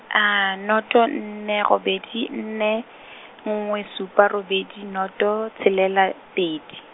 noto nne robedi nne, nngwe supa robedi noto, tshelela pedi.